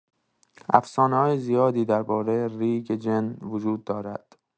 افسانه‌های زیادی درباره ریگ جن وجود دارد.